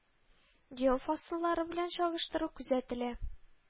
Ел фасыллары белән чагыштыру күзәтелә